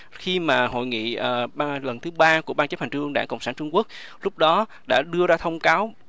khi mà hội nghị ờ ba lần thứ ba của ban chấp hành trung ương đảng cộng sản trung quốc lúc đó đã đưa ra thông cáo